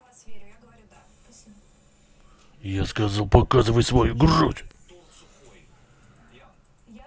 я сказал показывай свою грудь